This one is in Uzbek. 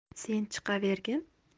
sen chiqavergin